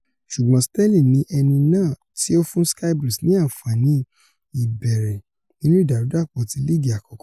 Ṣùgbọ́n Sterling ni ẹni náà tí ó fún Sky Blues ní àǹfààní ìbẹ̀rẹ̀ nínú ìdàrúdàpọ̀ ti Líìgì Aláàkọ́kọ́.